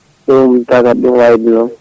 ɗum tagata ɗum wayde noon